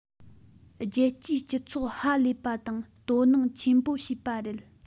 རྒྱལ སྤྱིའི སྤྱི ཚོགས ཧ ལས པ དང དོ སྣང ཆེན པོ བྱས པ རེད